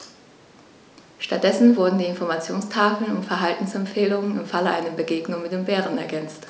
Stattdessen wurden die Informationstafeln um Verhaltensempfehlungen im Falle einer Begegnung mit dem Bären ergänzt.